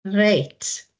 Reit.